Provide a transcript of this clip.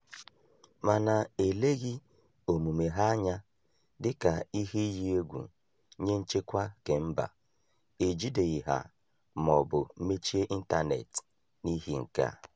Mana e leghị omume ha anya dị ka ihe iyi egwu nye nchekwa kemba; ejideghị ha ma ọ bụ mechie ịntaneetị n'ihi nke a.